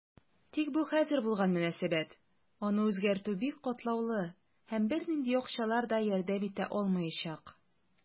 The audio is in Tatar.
Тик бу хәзер булган мөнәсәбәт, аны үзгәртү бик катлаулы, һәм бернинди акчалар да ярдәм итә алмаячак.